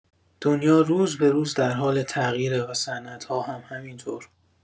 دنیا روز به‌روز در حال تغییره و صنعت‌ها هم همینطور.